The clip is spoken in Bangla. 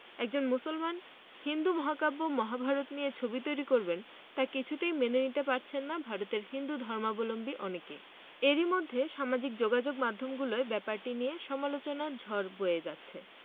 একজন মুসলমান হিন্দু মহাকাব্য মহাভারত নিয়ে ছবি তৈরি করবেন তা কিছুতেই মেনে নিতে পারছেন না ভারতের হিন্দুধর্মাবলম্বী অনেকে এরই মধ্যে সামাজিক যোগাযোগমাধ্যমগুলোয় ব্যাপারটি নিয়ে সমালোচনার ঝড় বয়ে যাচ্ছে